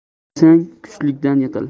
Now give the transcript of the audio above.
yiqilsang kuchlidan yiqil